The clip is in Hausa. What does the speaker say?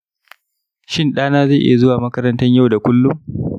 shin ɗana zai iya zuwa makarantar yau da kullum